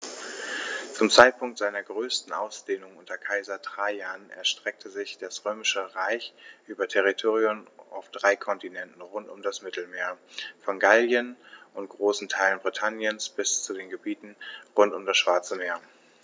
Zum Zeitpunkt seiner größten Ausdehnung unter Kaiser Trajan erstreckte sich das Römische Reich über Territorien auf drei Kontinenten rund um das Mittelmeer: Von Gallien und großen Teilen Britanniens bis zu den Gebieten rund um das Schwarze Meer.